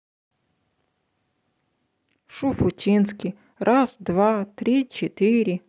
шуфутинский раз два три четыре